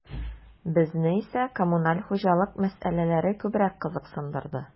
Безне исә коммуналь хуҗалык мәсьәләләре күбрәк кызыксындырды.